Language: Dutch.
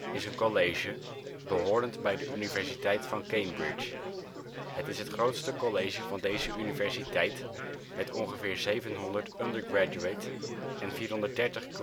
is een college behorend bij de Universiteit van Cambridge. Het is het grootste college van deze universiteit, met ongeveer 700 undergraduate en 430 graduate-studenten